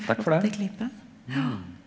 takk for det .